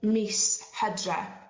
mis Hydre